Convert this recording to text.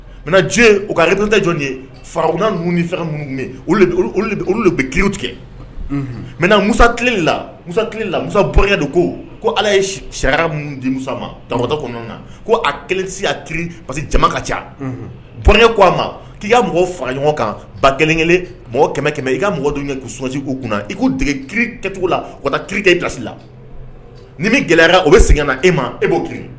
Mɛ diɲɛ u ka yɛrɛtɛ jɔn ye farakuuna ninnu ni fɛn olu bɛ kilo tigɛ mɛ musa tileleli la mu kilela mu don ko ko ala ye sariya mun di ma damatɔ kɔnɔn na ko a kelensi ki parce jama ka caɔrkɛ ko a ma k'i y'a mɔgɔ faga ɲɔgɔn kan ba kelenkelen mɔgɔ kɛmɛ kɛmɛ i ka mɔgɔ dun kɛsɔsi' kunna i k' dege ki kɛcogo la o kikɛ i bilasi la ni min gɛlɛyayara o bɛ segin na e ma e b'o kiiri